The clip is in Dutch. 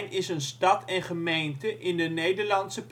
is een stad en gemeente in de Nederlandse